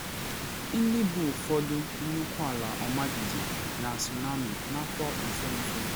Ndị bụ ụfọdụ nnukwu ala ọmajiji na tsunami n’afọ nso nso: